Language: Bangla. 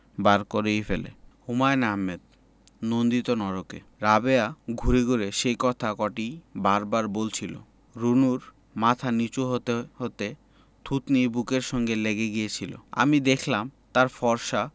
বার করে ফেলে হুমায়ুন আহমেদ নন্দিত নরকে রাবেয়া ঘুরে ঘুরে সেই কথা কটিই বার বার বলছিলো রুনুর মাথা নীচু হতে হতে থুতনি বুকের সঙ্গে লেগে গিয়েছিলো আমি দেখলাম তার ফর্সা